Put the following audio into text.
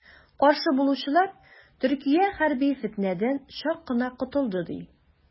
Каршы булучылар, Төркия хәрби фетнәдән чак кына котылды, ди.